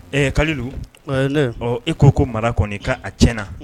Ɛɛ ka ɔ e ko ko mara kɔni k' a tiɲɛna